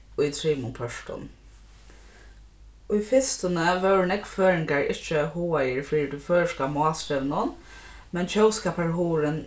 í trimum pørtum í fyrstuni vóru nógvir føroyingar ikki hugaðir fyri tí føroyska málstrevinum men tjóðskaparhugurin